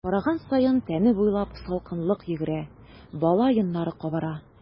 Караган саен тәне буйлап салкынлык йөгерә, бала йоннары кабара.